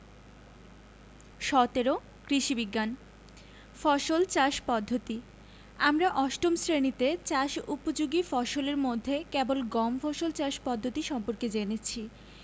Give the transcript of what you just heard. ১৭ কৃষি বিজ্ঞান ফসল চাষ পদ্ধতি আমরা অষ্টম শ্রেণিতে চাষ উপযোগী ফসলের মধ্যে কেবল গম ফসল চাষ পদ্ধতি সম্পর্কে জেনেছি